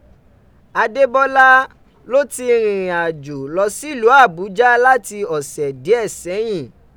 Adébọ́lá lo ti rinrin ajo lọ silu Abuja lati ọsẹ diẹ sẹyin.